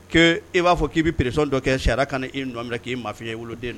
Ko i b'a fɔ k'i bɛ peresɔn dɔ kɛ siyara ka i nɔ minɛ k'i mafin' ye woloden